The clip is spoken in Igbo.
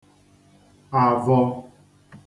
avọ